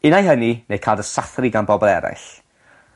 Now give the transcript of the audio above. Un ai hynny ne' ca'l dy sathru gan bobol eraill.